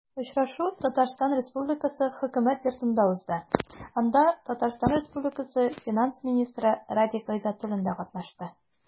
Очрашу Татарстан Республикасы Хөкүмәт Йортында узды, анда ТР финанс министры Радик Гайзатуллин да катнашты.